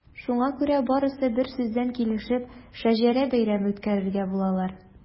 Шуңа күрә барысы берсүздән килешеп “Шәҗәрә бәйрәме” үткәрергә булалар.